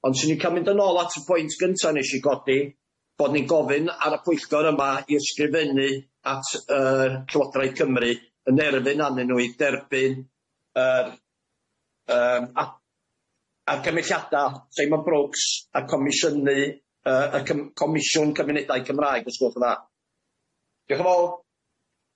Ond swn i'n ca'l mynd yn ôl at y pwynt gynta nesh i godi, bod ni'n gofyn ar y pwyllgor yma i ysgrifennu at yy Llywodraeth Cymru yn erfyn arnyn nhw i derbyn yr yym a- a'r cymhelliada Seimon Brooks a comisiyny yy y cym- Comisiwn Cymunedau Cymraeg os gwelwch yn dda. Diolch yn fowr.